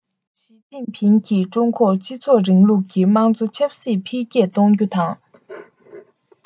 ཞིས ཅིན ཕིང གིས ཀྲུང གོར སྤྱི ཚོགས རིང ལུགས ཀྱི དམངས གཙོ ཆབ སྲིད འཕེལ རྒྱས གཏོང རྒྱུ དང